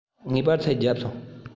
ངེས པར ཚིགས རྒྱབ སོང